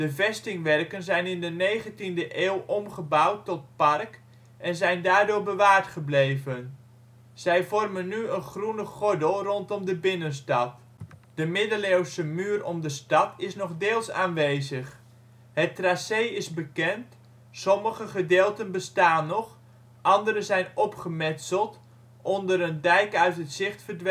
vestingwerken zijn in de 19e eeuw omgebouwd tot park en zijn daardoor bewaard gebleven. Ze vormen nu een groene gordel rondom de binnenstad. De middeleeuwse muur om de stad is nog deels aanwezig. Het tracé is bekend, sommige gedeelten bestaan nog, andere zijn opgemetseld, onder een dijk uit het zicht verdwenen